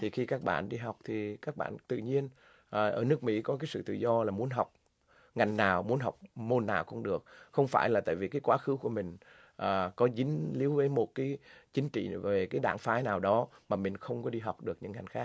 thì khi các bạn đi học thì các bạn tự nhiên ờ ở nước mỹ có sự tự do là muốn học ngành nào muốn học môn nào cũng được không phải là tại vì cái quá khứ của mình à có dính líu với một cái chính trị về các đảng phái nào đó mà mình không có đi học được những ngành khác